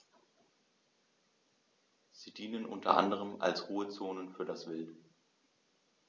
Sie dienen unter anderem als Ruhezonen für das Wild.